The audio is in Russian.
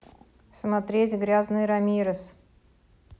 смотреть грязный рамирес